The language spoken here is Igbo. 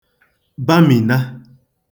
bamìna